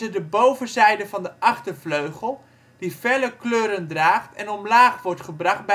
de bovenzijde van de achtervleugel die felle kleuren draagt en omlaag wordt gebracht